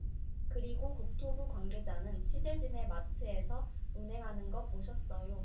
그리고 국토부 관계자는 취재진에 마트에서 운행하는 거 보셨어요